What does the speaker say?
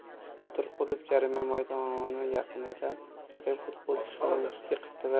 qodirqulov jarima maydoni yaqinida raqib futbolchisini